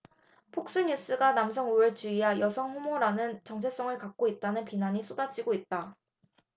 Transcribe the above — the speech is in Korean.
폭스뉴스가 남성우월주의와 여성혐오이라는 정체성을 갖고 있다는 비난이 쏟아지고 있다